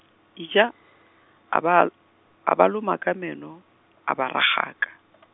ija , a ba a, a ba loma ka meno, a ba ragaka .